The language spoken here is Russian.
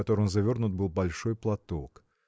в котором завернут был большой платок.